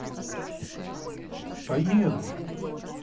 поеду